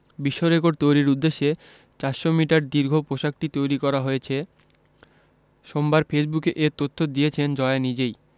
বিশ্বরেকর্ড তৈরির উদ্দেশ্যে ৪০০ মিটার দীর্ঘ পোশাকটি তৈরি করা হয়েছে সোমবার ফেসবুকে এ তথ্য দিয়েছেন জয়া নিজেই